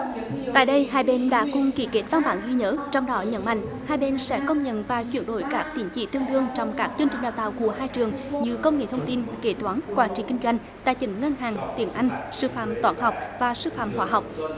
tại đây hai bên đã cùng ký kết các bản ghi nhớ trong đó nhấn mạnh hai bên sẽ công nhận và chuyển đổi các tín chỉ tương đương trong các chương trình đào tạo của hai trường như công nghệ thông tin kế toán quản trị kinh doanh tài chính ngân hàng tiếng anh sư phạm toán học và sư phạm hóa học